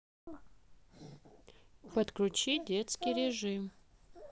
подключи детский режим